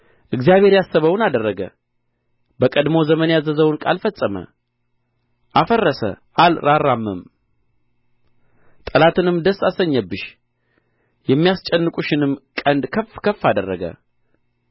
እግዚአብሔር ያሰበውን አደረገ በቀድሞ ዘመን ያዘዘውን ቃል ፈጸመ አፈረሰ አልራራምም ጠላትንም ደስ አሰኘብሽ የሚያስጨንቁሽንም ቀንድ ከፍ ከፍ አደረገ